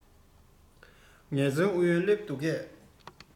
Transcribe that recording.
ངལ རྩོལ ཨུ ཡོན སླེབས འདུག གས